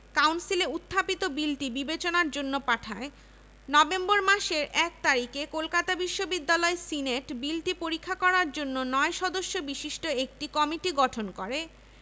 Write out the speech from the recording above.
ভারতের governor general ১৯২০ সালের ১ December থেকে স্যার ফিলিপ জোসেফ হার্টগকে পাঁচ বছরের জন্য ঢাকা বিশ্ববিদ্যালয়ের উপাচার্য নিয়োগ করেন